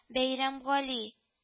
Бәйрәмгали